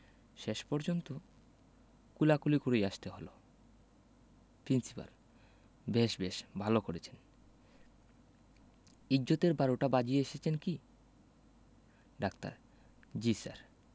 শেষ পর্যন্ত কোলাকুলি করেই আসতে হলো প্রিন্সিপাল বেশ বেশ ভালো করেছেন ইজ্জতের বারোটা বাজিয়ে এসেছেন কি ডাক্তার জ্বী স্যার